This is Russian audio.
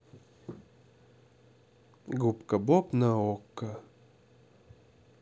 губка боб на окко